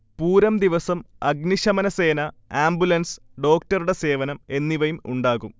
പൂരം ദിവസം അഗ്നിശമനസേന, ആംബുലൻസ്, ഡോക്ടറുടെ സേവനം എന്നിവയും ഉണ്ടാകും